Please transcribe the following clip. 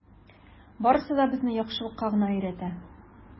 Барысы да безне яхшылыкка гына өйрәтә.